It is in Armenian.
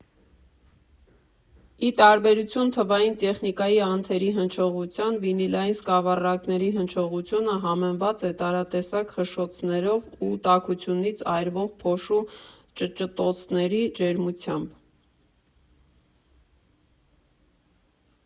Ի տարբերություն թվային տեխնիկայի անթերի հնչողության՝ վինիլային սկավառակների հնչողությունը համեմված է տարատեսակ խշշոցներով ու տաքությունից այրվող փոշու ճտտոցների ջերմությամբ։